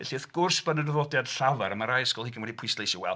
Felly wrth gwrs bod 'na draddodiad llafar a mae rhai ysgolheigion wedi pwysleisio, wel;